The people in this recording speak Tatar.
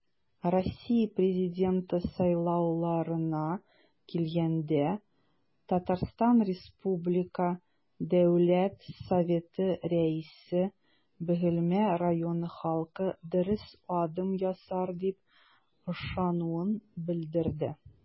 Россия Президенты сайлауларына килгәндә, ТР Дәүләт Советы Рәисе Бөгелмә районы халкы дөрес адым ясар дип ышануын белдерде.